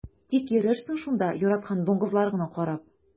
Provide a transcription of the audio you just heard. Тик йөрерсең шунда яраткан дуңгызларыңны карап.